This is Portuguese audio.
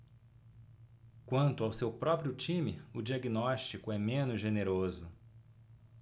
quanto ao seu próprio time o diagnóstico é menos generoso